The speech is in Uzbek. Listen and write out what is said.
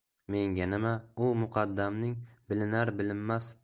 menga nima u muqaddamning bilinar bilinmas